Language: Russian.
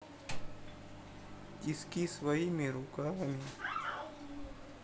тиски своими руками